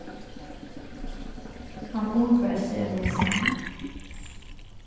hann umbar seg mín sann